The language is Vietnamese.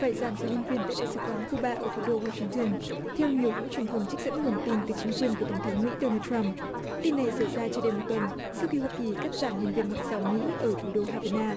phải giảm số nhân viên tại đại sứ quán cu ba ở thủ đô goai sinh tơn theo nhiều hãng truyền thông trích dẫn nguồn tin từ chính quyền của tổng thống mỹ đô na troăm tin này xảy ra chưa đầy một tuần sau khi hoa kỳ cắt giảm nhân viên ngoại giao mỹ ở thủ đô ha va na